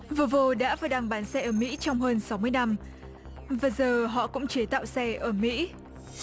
vô vô đã và đang bán xe ở mỹ trong hơn sáu mươi năm và giờ họ cũng chế tạo xe ở mỹ